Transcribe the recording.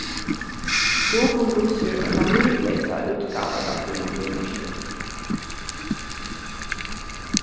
google vísir eina litleysa útgávu av sínum búmerki